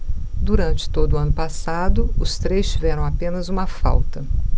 durante todo o ano passado os três tiveram apenas uma falta